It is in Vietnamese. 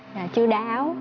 dạ chu đáo